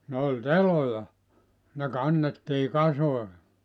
ne oli teloja ne kannettiin kasoihin